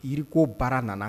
Yiriko baara nana